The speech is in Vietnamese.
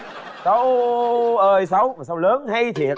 xấu ơi xấu mà sao lớn hay thiệt